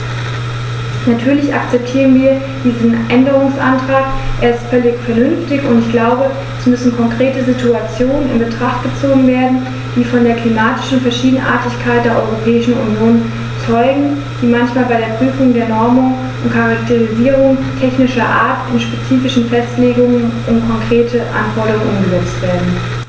Natürlich akzeptieren wir diesen Änderungsantrag, er ist völlig vernünftig, und ich glaube, es müssen konkrete Situationen in Betracht gezogen werden, die von der klimatischen Verschiedenartigkeit der Europäischen Union zeugen, die manchmal bei der Prüfung der Normungen und Charakterisierungen technischer Art in spezifische Festlegungen und konkrete Anforderungen umgesetzt werden.